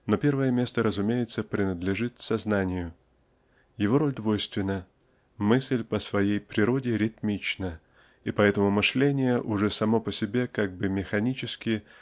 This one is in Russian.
Но первое место, разумеется, принадлежит сознанию. Его роль двойственна. Мысль по своей природе ритмична и потому мышление уже само по себе как бы механически